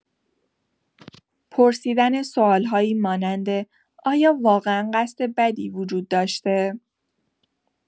پرسیدن سوال‌هایی مانند «آیا واقعا قصد بدی وجود داشته؟»